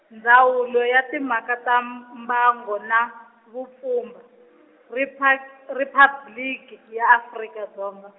Ndzawulo ya Timhaka ta M-, Mbango na Vupfhumba , Ripak-, Riphabliki ya Afrika Dzonga.